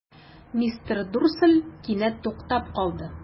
Мистер Дурсль кинәт туктап калды.